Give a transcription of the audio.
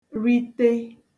rite